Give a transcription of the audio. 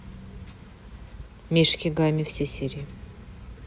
мишки гамми все серии